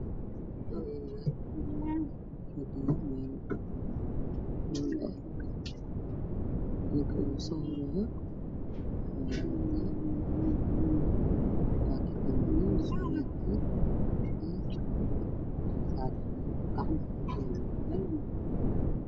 Meshaan waxaa joogo labo wiil oo yar yar waxey kadhiyaan masjid ka gudihiisa